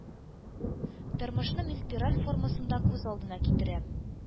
Тормышны мин спираль формасында күз алдына китерәм.